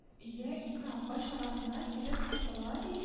Йә ике агач арасына килеп кысыла, ди